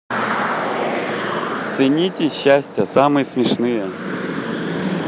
цените счастья самые смешные